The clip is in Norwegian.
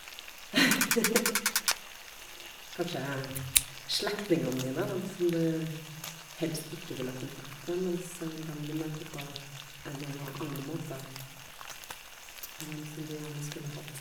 Kanskje slektningene dine er dem som du helst ikke vil ha kontakt med, mens dem du møter på en nenra anna måte er dem som du gjerne skulle hatt...